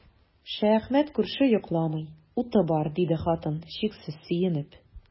Шәяхмәт күрше йокламый, уты бар, диде хатын, чиксез сөенеп.